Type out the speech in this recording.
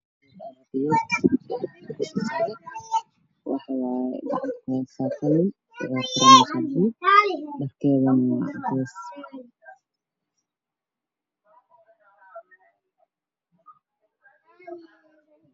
Meeshan waxaa ka muuqda gabar fadhida kursi oo warqad wax ku qoreyso wxaa agylo mobile